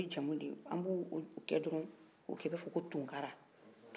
o ye jamu de ye an b'o kɛ dɔrɔn k'o k'i ba fɔ ko tunkara